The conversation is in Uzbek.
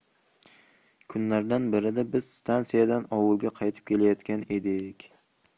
kunlardan birida biz stansiyadan ovulga qaytib kelayotgan edik